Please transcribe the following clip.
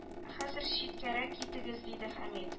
Ә хәзер читкәрәк китегез диде хәмит